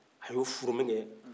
a yo furu min kɛ